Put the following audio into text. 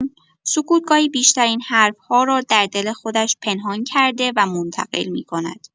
سکوت گاهی بیشترین حرف‌ها را در دل خودش پنهان کرده و منتقل می‌کند.